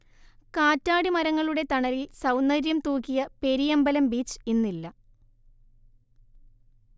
കറ്റാടിമരങ്ങളുടെ തണലിൽ സൗന്ദര്യം തൂകിയ പെരിയമ്പലം ബീച്ച് ഇന്നില്ല